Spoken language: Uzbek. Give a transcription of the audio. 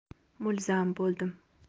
mulzam bo'ldim